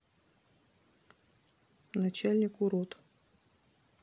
начальник урод